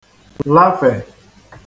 lafè